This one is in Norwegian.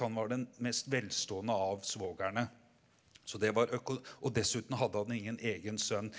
han var den mest velstående av svogerne så det var og dessuten hadde han ingen egen sønn.